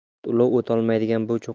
ot ulov o'tolmaydigan bu cho'qqilarga